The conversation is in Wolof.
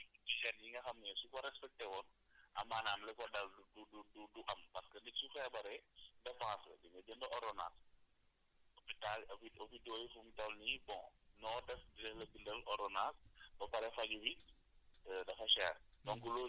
parce que condis set yi nga xam ne su ko respecté woon amaana li ko dal du du du am parce que nit su feebareee dépense la di nga jënd ordonnance hopital hopi hopitaux yi fu mu toll nii bon noo def dinañ la bindal ordonnance ba pare faju bi dafa cher